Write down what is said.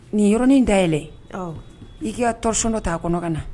Nin yɔrɔnin day yɛlɛɛlɛn i'i ka torsiɔn ta a kɔnɔ ka na